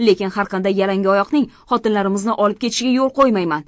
lekin har qanday yalangoyoqning xotinlarimizni olib ketishiga yo'l qo'ymayman